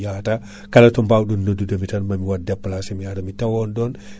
kono non kaadi hikka non muusi kono kaadi holli en expérience